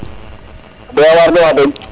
a doya war de wax deg